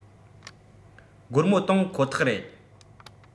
སྒོར མོ གཏོང ཁོ ཐག རེད